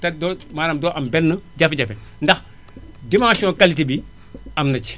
te doo maanaam doo am benn jafe-jafe ndax dimension qualité bi am na ci